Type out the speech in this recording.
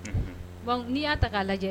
Unhun, donc n'i y'a ta k'a lajɛ.